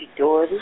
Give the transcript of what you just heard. Pitoli.